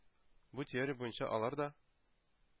Бу теория буенча алар да